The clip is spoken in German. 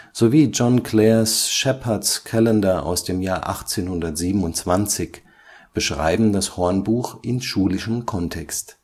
sowie John Clares Shephard’ s Calendar (1827) beschreiben das Hornbuch in schulischem Kontext